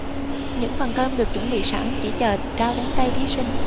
những phần cơm được chuẩn bị sẵn chỉ chờ trao đến tay thí sinh